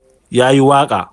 Ya yi waƙa: